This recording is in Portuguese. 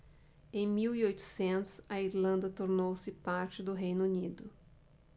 em mil e oitocentos a irlanda tornou-se parte do reino unido